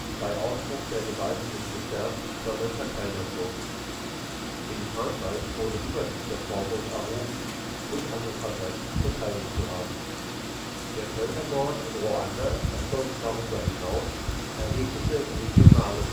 bei Ausbruch der Gewalt nicht gestärkt, sondern verkleinert wurden. Gegen Frankreich wurde überdies der Vorwurf erhoben, sich an den Verbrechen beteiligt zu haben. Der Völkermord in Ruanda erzeugte darüber hinaus erhebliche regionale